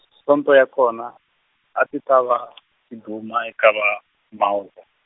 Sonto ya kona, a ti ta va , tiduma, eka va Mauzer.